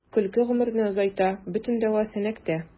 Көлке гомерне озайта — бөтен дәва “Сәнәк”тә.